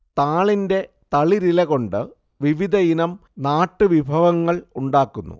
താളിന്റെ തളിരിലകൊണ്ട് വിവിധയിനം നാട്ടുവിഭവങ്ങൾ ഉണ്ടാക്കുന്നു